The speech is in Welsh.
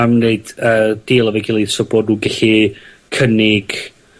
am neud yy deal efo'i gilydd so bod nw gellu cynnig